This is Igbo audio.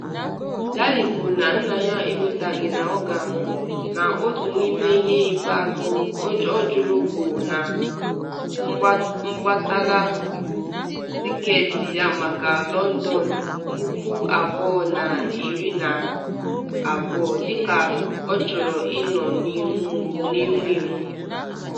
Daley kwuru na nna ya ekwetaghị na ọ ga-anwụ, na otu n’ime ihe ikpeazụ ọ jụrụ bụ ma ha gbatala tịketị ha maka London 2012 - dịka ọ chọrọ ịnọ n’ịhu ihu.